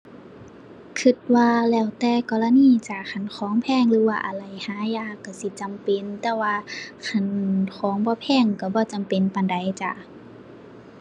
คิดว่าแล้วแต่กรณีจ้า คันของแพงหรือว่าอะไหล่หายากคิดสิจำเป็น แต่ว่าคันของบ่แพงคิดบ่จำเป็นปานใดจ้า